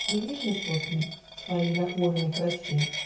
недвижны сосны В своей нахмуренной красе